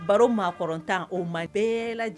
Baro maaɔrɔntan o ma bɛɛ